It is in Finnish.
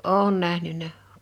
olen nähnyt